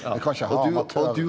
vi kan ikke ha amatør.